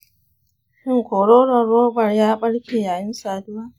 shin kwaroron robar ya ɓarke yayin saduwa?